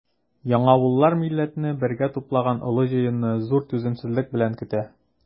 Яңавыллар милләтне бергә туплаган олы җыенны зур түземсезлек белән көтә.